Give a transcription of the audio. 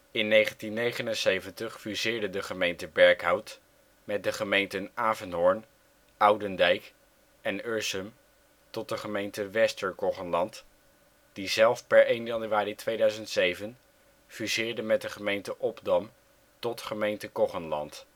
In 1979 fuseerde de gemeente Berkhout met de gemeenten Avenhorn, Oudendijk en Ursem tot de gemeente Wester-Koggenland, die zelf per 1 januari 2007 fuseerde met de gemeente Obdam tot gemeente Koggenland